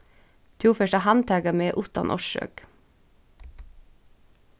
tú fert at handtaka meg uttan orsøk